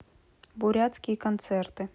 бурятские концерты